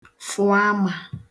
fụ̀ amā